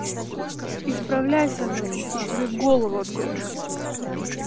исправляйся ночь я тебе голову откручу